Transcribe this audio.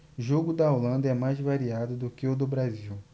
jogo da holanda é mais variado que o do brasil